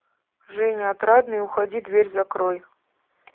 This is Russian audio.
женя отрадный уходи дверь закрой